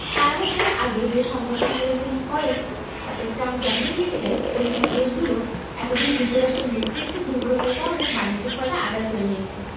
Canada ছাড়ার আগে যে সংবাদ সম্মেলন তিনি করেন তাতে ট্রাম্প জানিয়ে দিয়েছিলেন পশ্চিমা দেশগুলো এত দিন যুক্তরাষ্ট্রের নেতৃত্বের দুর্বলতার কারণে বাণিজ্য ফায়দা আদায় করে নিয়েছে